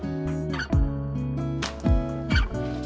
hương nè